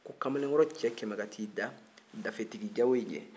ko kamalenkɔrɔ cɛ kɛmɛ ka taa i da dafetigi jawoyi ɲɛ